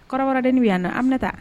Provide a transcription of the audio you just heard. Kɔrɔ wɛrɛden yan na an bɛ taa